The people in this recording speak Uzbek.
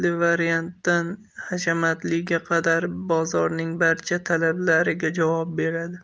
variantdan hashamatliga qadar bozorning barcha talablariga javob beradi